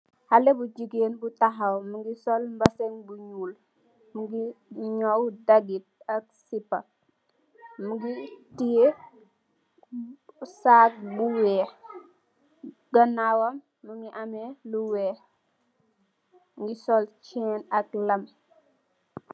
Haleh bu jegain bu tahaw muge sol bazin bu njol muge nyaw dagete ak sepa muge teyeh sacc bu weehe ganawam muge ameh lu weehe muge sol chin ak lam.